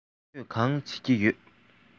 ཁྱོད གང བྱེད ཀྱི ཡོད